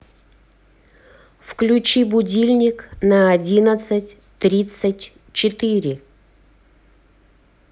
включи будильник на одиннадцать тридцать четыре